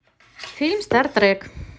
фильм стартрек